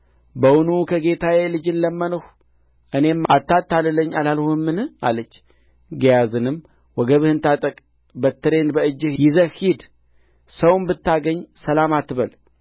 ወደ ተራራው ወደ እግዚአብሔር ሰው በመጣች ጊዜ እግሮቹን ጨበጠች ግያዝም ሊያርቃት ቀረበ የእግዚአብሔርም ሰው ነፍስዋ አዝናለችና ተዋት እግዚአብሔርም ያንን ከእኔ ሰውሮታል አልነገረኝምም አለ እርስዋም